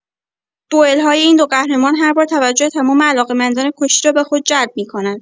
دوئل‌های این دو قهرمان هر بار توجه تمام علاقه‌مندان کشتی را به خود جلب می‌کند.